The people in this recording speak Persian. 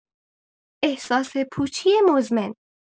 احساس پوچی مزمن